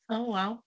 O, waw.